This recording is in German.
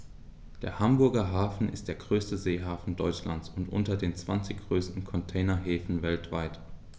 Der Hamburger Hafen ist der größte Seehafen Deutschlands und unter den zwanzig größten Containerhäfen weltweit.